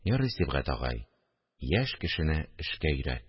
– ярый, сибгать агай, яшь кешене эшкә өйрәт